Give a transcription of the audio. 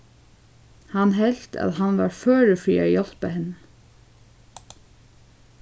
hann helt at hann var førur fyri at hjálpa henni